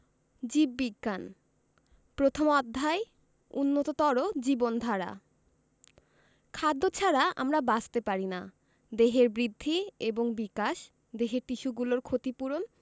জীববিজ্ঞান প্রথম অধ্যায় উন্নততর জীবনধারা খাদ্য ছাড়া আমরা বাঁচতে পারি না দেহের বৃদ্ধি এবং বিকাশ দেহের টিস্যুগুলোর ক্ষতি পূরণ